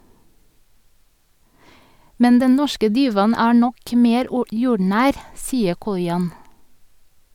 Men den norske divaen er nok mer jordnær , sier Kojan.